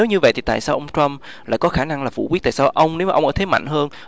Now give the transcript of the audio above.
như vậy thì tại sao ông trăm lại có khả năng là phủ quyết tại sao ông nếu ông ở thế mạnh hơn